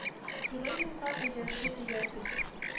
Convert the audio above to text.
Туры юлга әйдәүче дигән сүз